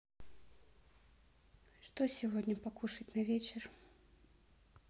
что сегодня покушать на вечер